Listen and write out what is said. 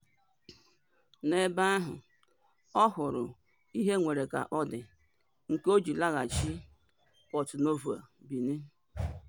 N'ebe ahụ, ọ hụrụ "ihe nwere ka ọ dị" nke o ji laghachi Porto-Novo, Benin.